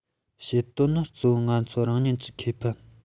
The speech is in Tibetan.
བྱེད དོན ནི གཙོ བོ ང ཚོ རང ཉིད ཀྱི ཁེ ཕན